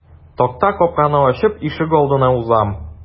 Такта капканы ачып ишегалдына узам.